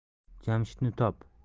jamshidni top